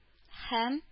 Һәм